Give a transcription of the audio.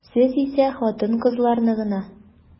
Сез исә хатын-кызларны гына.